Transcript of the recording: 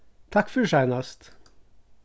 takk fyri seinast